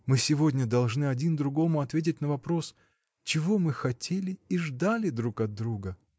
Мы сегодня должны один другому ответить на вопрос: чего мы хотели и ждали друг от друга?.